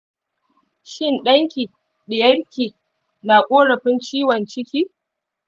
shin ɗanki/ɗiyarki na korafin ciwon ciki